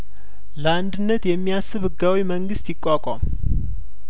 ለአንድነት የሚያስብ ህዝባዊ መንግስት ይቋቋም